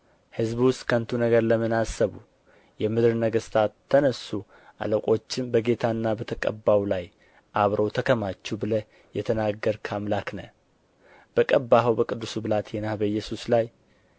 ሕዝቡስ ከንቱን ነገር ለምን አሰቡ የምድር ነገሥታት ተነሡ አለቆችም በጌታና በተቀባው ላይ አብረው ተከማቹ ብለህ የተናገርህ አምላክ ነህ በቀባኸው በቅዱሱ ብላቴናህ በኢየሱስ ላይ